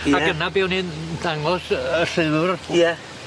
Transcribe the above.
Ie. A dyna be' o'n i'n dangos yy y llyfr. Ie.